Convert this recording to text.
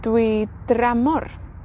Dwi dramor,